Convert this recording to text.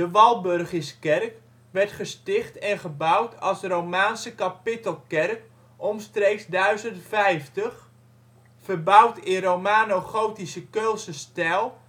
Walburgiskerk werd gesticht en gebouwd als Romaanse kapittelkerk omstreeks 1050, verbouwd in romano-gotische Keulse stijl